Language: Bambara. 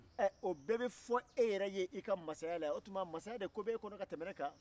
ɛɛ o bɛɛ be fɔ e yɛrɛ ye i ka mansaya la o tuma mansaya de ko bɛ e kɔnɔ ka tɛmɛ ne kan